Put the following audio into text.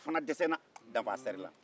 o fana dɛsɛra danfasɛri la